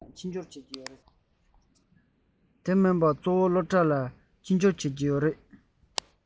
དེ མིན པ གཙོ བོ སློབ གྲྭར ཕྱི འབྱོར བྱེད ཀྱི ཡོད རེད